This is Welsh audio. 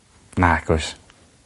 Nag oes.